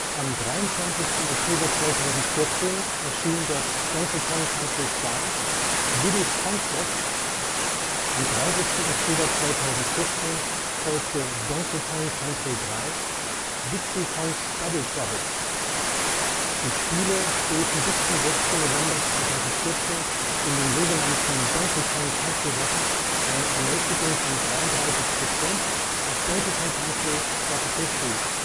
Am 23. Oktober erscheint dort Donkey Kong Country 2: Diddy’ s Kong Quest, am 30. Oktober 2014 folgt Donkey Kong Country 3: Dixie Kong’ s Double Trouble!. Die Spiele bieten bis zum 6. November 2014 in den sogenannten „ Donkey-Kong-Country-Wochen “eine Ermässigung von 33% auf Donkey Kong Country: Tropical Freeze